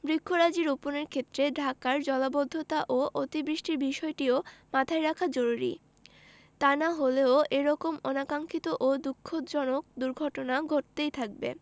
বৃক্ষরাজি রোপণের ক্ষেত্রে ঢাকার জলাবদ্ধতা ও অতি বৃষ্টির বিষয়টিও মাথায় রাখা জরুরী তা না হলে এ রকম অনাকাংক্ষিত ও দুঃখজনক দুর্ঘটনা ঘটতেই থাকবে